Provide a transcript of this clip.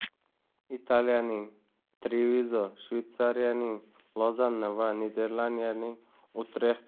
italiyaning trevizo shveytsariyaning lozanna va niderlandiyaning utrext